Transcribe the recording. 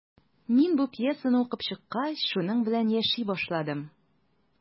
Мин бу пьесаны укып чыккач, шуның белән яши башладым.